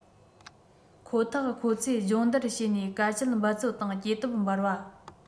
ཁོ ཐག ཁོ ཚོས སྦྱོང བརྡར བྱས ནས དཀའ སྤྱད འབད བརྩོན དང སྐྱེ སྟོབས འབར བ